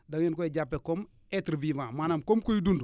da ngeen koy jàppee comme être vivant maanaam comme kuy dund